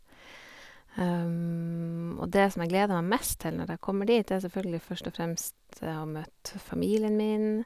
Og det som jeg gleder meg mest til når jeg kommer dit, det er selvfølgelig først og fremst å møte familien min.